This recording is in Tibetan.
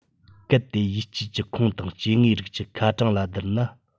གལ ཏེ ཡུལ སྐྱེས ཀྱི ཁོངས དང སྐྱེ དངོས རིགས ཀྱི ཁ གྲངས ལ བསྡུར ན